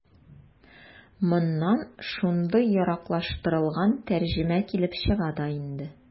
Моннан шундый яраклаштырылган тәрҗемә килеп чыга да инде.